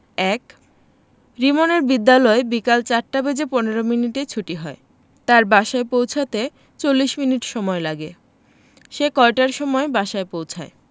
১ রিমনের বিদ্যালয় বিকাল ৪টা বেজে ১৫ টেছুটি হয় তার বাসায় পৌছাতে ৪০ মিনিট সময় লাগে সে কয়টার সময় বাসায় পৌছায়